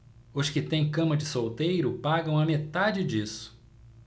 os que têm cama de solteiro pagam a metade disso